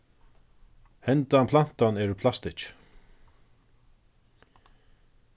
handan plantan er úr plastikki